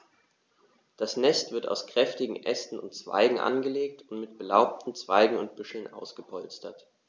Das Nest wird aus kräftigen Ästen und Zweigen angelegt und mit belaubten Zweigen und Büscheln ausgepolstert.